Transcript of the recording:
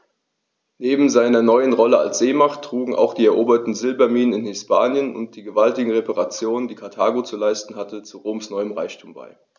Neben seiner neuen Rolle als Seemacht trugen auch die eroberten Silberminen in Hispanien und die gewaltigen Reparationen, die Karthago zu leisten hatte, zu Roms neuem Reichtum bei.